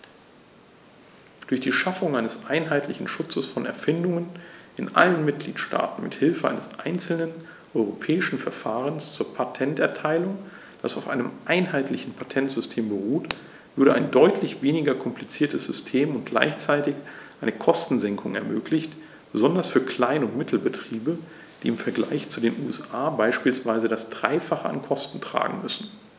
Durch die Schaffung eines einheitlichen Schutzes von Erfindungen in allen Mitgliedstaaten mit Hilfe eines einzelnen europäischen Verfahrens zur Patenterteilung, das auf einem einheitlichen Patentsystem beruht, würde ein deutlich weniger kompliziertes System und gleichzeitig eine Kostensenkung ermöglicht, besonders für Klein- und Mittelbetriebe, die im Vergleich zu den USA beispielsweise das dreifache an Kosten tragen müssen.